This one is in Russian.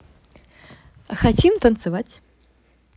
хотим потанцевать